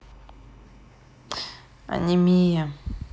анемия